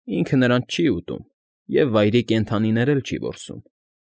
Ինքը նրանց չի ուտում և վայրի կենդանիներ էլ չի որսում։